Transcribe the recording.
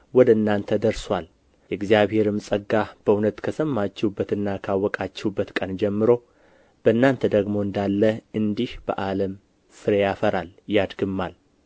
ወደ እናንተ ደርሶአል እግዚአብሔርንም ጸጋ በእውነት ከሰማችሁበትና ካወቃችሁበት ቀን ጀምሮ በእናንተ ደግሞ እንዳለ እንዲህ በዓለም ፍሬ ያፈራል ያድግማል